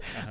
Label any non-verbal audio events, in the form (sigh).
(breath) (hesitation) (hesitation)